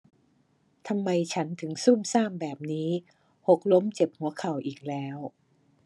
ทำไมฉันถึงซุ่มซ่ามแบบนี้หกล้มเจ็บหัวเข่าอีกแล้ว